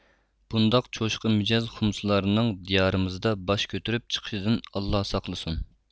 بۇنداق چوشقا مىجەز خۇمسىلارنىڭ دىيارىمىزدا باش كۆتۈرۈپ چىقىشىدىن ئاللا ساقلىسۇن